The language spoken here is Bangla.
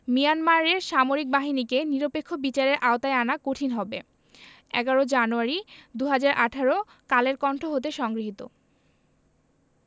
মিয়ানমারের সামরিক বাহিনীকে নিরপেক্ষ বিচারের আওতায় আনা কঠিন হবে ১১ জানুয়ারি ২০১৮ কালের কন্ঠ হতে সংগৃহীত